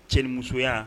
Cɛmusoya